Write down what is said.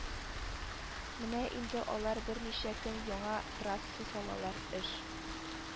Менә инде алар берничә көн яңа трасса салалар, эш